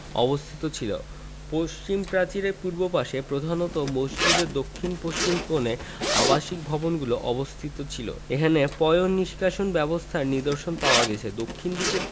অবস্থিত ছিল পশ্চিম প্রাচীরের পূর্ব পাশে প্রধানত মসজিদের দক্ষিণ পশ্চিম কোণে আবাসিক ভবনগুলো অবস্থিত ছিল এখানে পয়োনিষ্কাশন ব্যবস্থার নিদর্শন পাওয়া গেছে দক্ষিণ দিকে